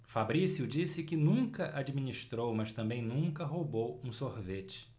fabrício disse que nunca administrou mas também nunca roubou um sorvete